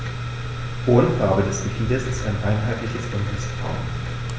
Grundfarbe des Gefieders ist ein einheitliches dunkles Braun.